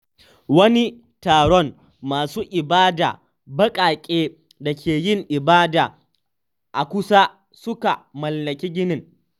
Wani taron masu ibada baƙaƙe da ke yin ibada a kusa suka mallaki ginin.